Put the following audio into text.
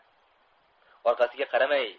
orqasiga qaramay